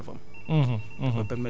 reconstitué ay réserves am